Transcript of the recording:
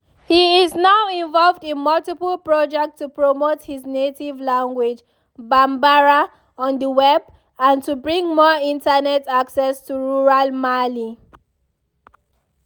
He is now involved in multiple projects to promote his native language, Bambara, on the Web, and to bring more Internet access to rural Mali.